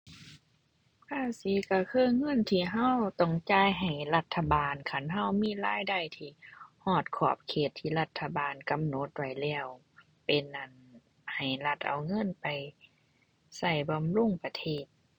ภาษีก็คือเงินที่ก็ต้องจ่ายให้รัฐบาล คันก็มีรายได้ที่ฮอดขอบเขตที่รัฐบาลกำหนดไว้แล้ว เป็น อั่น ให้รัฐเอาเงินไปก็บำรุงประเทศ